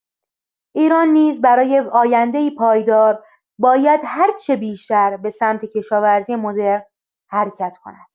ایران نیز برای آینده‌ای پایدار باید هرچه بیشتر به سمت کشاورزی مدرن حرکت کند.